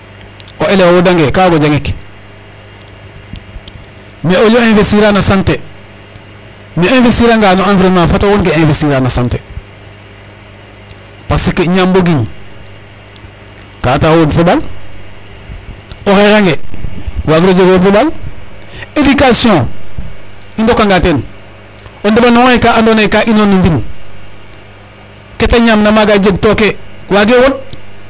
O éléve o wodangee ka waag o jangik mais au lieu o investir a na santé mais o investir anga no environnement fat a worong ee invertir a na santé parce que ñaam bo giñ kaa ataa o wod fo ɓaal. O xeexange waagiro jeg o wod fo ɓaal. Éducation i ndokanga teen o ndeɓandoong oxe ka andoona yee ka inor no mbind ke ta ñamna maaga a jeg tooke waagee wod.